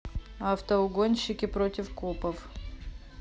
автоугонщики против копов